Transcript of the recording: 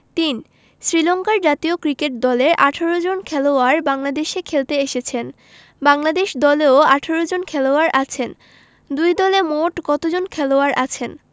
৩ শ্রীলংকার জাতীয় ক্রিকেট দলের ১৮ জন খেলোয়াড় বাংলাদেশে খেলতে এসেছেন বাংলাদেশ দলেও ১৮ জন খেলোয়াড় আছেন দুই দলে মোট কতজন খেলোয়াড় আছেন